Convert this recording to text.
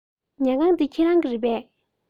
ཉལ ཁང འདི ཁྱེད རང གི རེད པས